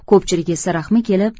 ko'pchilik esa rahmi kelib